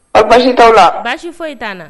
Aw basi t'aaw la basi